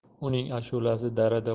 uning ashulasi darada